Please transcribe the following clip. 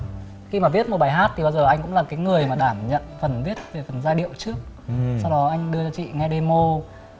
khi mà viết một bài hát thì bao giờ anh cũng là cái người đảm nhận phần viết về phần giai điệu trước sau đó anh đưa chị nghe đê mô